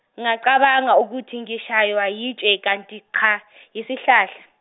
ngacabanga ukuthi ngishaywa yitshe kanti cha , yisihlahla.